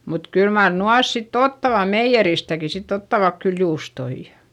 mutta kyllä mar nuo sitten ottavat meijeristäkin sitten ottavat kyllä juustoja